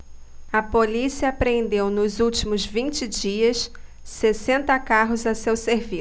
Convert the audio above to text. a polícia apreendeu nos últimos vinte dias sessenta carros a seu serviço